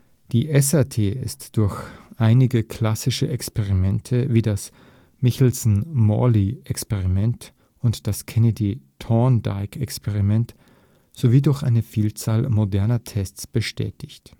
Die SRT ist durch einige klassische Experimente wie das Michelson-Morley-Experiment oder das Kennedy-Thorndike-Experiment sowie durch eine Vielzahl moderner Tests bestätigt